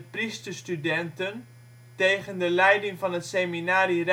priesterstudenten tegen de leiding van het seminarie